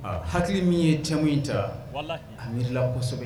Hakili min ye thème in ta a miiri la la kosɛbɛ.